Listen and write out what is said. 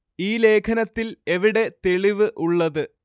ഈ ലേഖനത്തിൽ എവിടെ തെളിവ് ഉള്ളത്